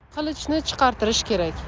qilichni chiqartirish kerak